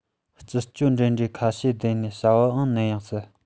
སྤྱི སྤྱོད འགྲིམ འགྲུལ ཡོ བྱད ཁ ཤས བསྡད ནས བྱ བའང ནམ ཡང སྲིད